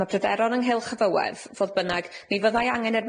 ma' pryderon ynghylch hyfywedd fodd bynnag mi fyddai angen i'r